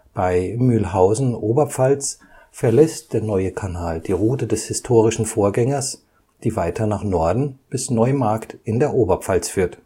Bei Mühlhausen (Oberpfalz) verlässt der neue Kanal die Route des historischen Vorgängers, die weiter nach Norden bis Neumarkt in der Oberpfalz führt